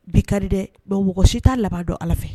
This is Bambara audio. Bi ka di dɛ bon mɔgɔ si t'a laban dɔn allah fɛ.